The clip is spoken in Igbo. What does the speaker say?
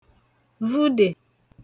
vudè